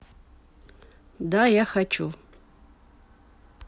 да я хочу